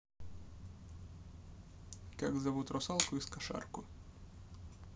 как зовут русалку из кошарку